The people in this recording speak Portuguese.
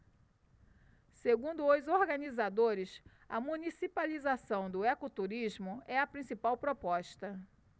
segundo os organizadores a municipalização do ecoturismo é a principal proposta